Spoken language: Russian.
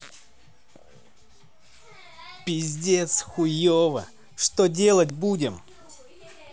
пиздец хуево что делать будем